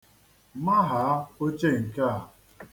Mahaa oche nke a.